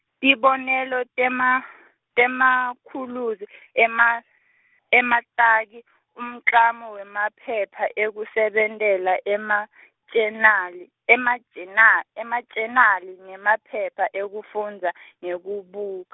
tibonelo tema, temathuluzi ema, emataki, umklamo wemaphepha ekusebentela emajenali emajena- emajenali nemaphepha ekufundza , nekubuk-.